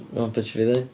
Wel, be ti isio fi ddeud?